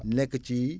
nekk ci